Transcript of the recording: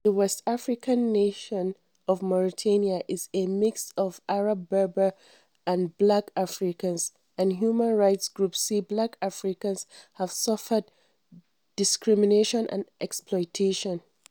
The West African nation of Mauritania is a mix of Arab-Berber and black Africans and human rights groups say black Africans have long suffered discrimination and exploitation.